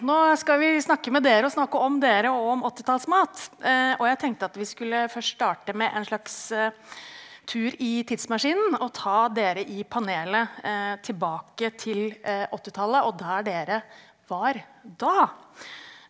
nå skal vi snakke med dere og snakke om dere og om åttitallsmat, og jeg tenkte at vi skulle først starte med en slags tur i tidsmaskinen og ta dere i panelet tilbake til åttitallet, og der dere var da.